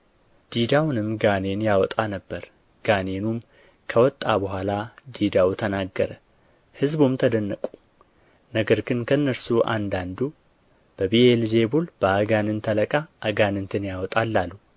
ዲዳውንም ጋኔን ያወጣ ነበር ጋኔኑም ከወጣ በኋላ ዲዳው ተናገረ ሕዝቡም ተደነቁ ነገር ግን ከእነርሱ አንዳንዱ በብዔል ዜቡል በአጋንንት አለቃ አጋንንትን ያወጣል አሉ